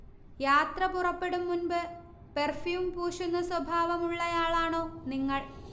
യാത്ര പുറപ്പെടും മുൻപ് പെർഫ്യൂം പൂശുന്ന സ്വഭാവമുള്ളയാളാണോ നിങ്ങൾ